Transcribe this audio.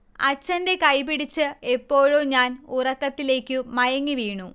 അച്ഛന്റെ കൈപിടിച്ച് എപ്പോഴോ ഞാൻ ഉറക്കത്തിലേക്കു മയങ്ങിവീണു